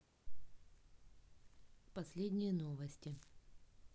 последние новости